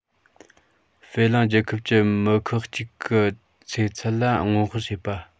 ཧྥེ གླིང རྒྱལ ཁབ ཀྱི མི ཁག ཅིག གི ཚེ ཚད ལ སྔོན དཔག བྱས པ